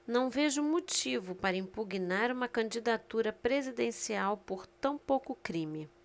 não vejo motivo para impugnar uma candidatura presidencial por tão pouco crime